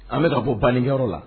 An bɛ bɔ banyɔrɔ la